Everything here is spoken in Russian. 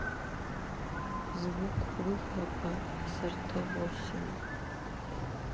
звук выхлопа срт восемь